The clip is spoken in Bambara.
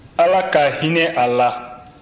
ala ka hinɛ a la